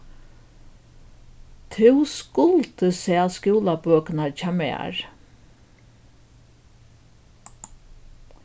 tú skuldi sæð skúlabøkurnar hjá mær